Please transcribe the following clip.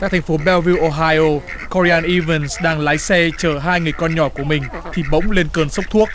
các thành phố beo ruy ô hai ô co ri an i vừn đang lái xe chở hai người con nhỏ của mình thì bỗng lên cơn sốc thuốc